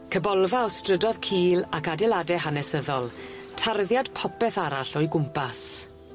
Cybolfa o strydodd cul ac adeilade hanesyddol tarddiad popeth arall o'i gwmpas.